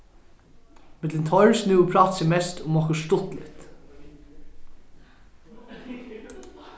millum teir snúði prátið seg mest um okkurt stuttligt